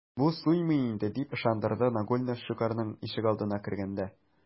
Бу суймый инде, - дип ышандырды Нагульнов Щукарьның ишегалдына кергәндә.